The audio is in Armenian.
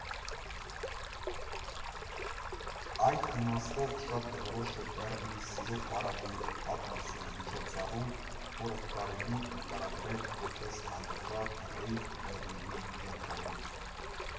Այդ իմաստով, շատ բնորոշ է Բեռլինի Սիրո պարադի պատմությունը՝ միջոցառում, որը կարելի նկարագրել որպես անվճար ռեյվ Բեռլինի կենտրոնում։